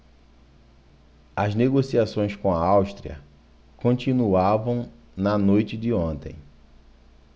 as negociações com a áustria continuavam na noite de ontem